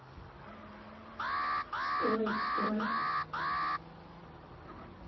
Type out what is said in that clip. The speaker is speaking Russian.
стоит стоит